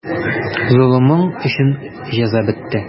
Золымың өчен җәза бетте.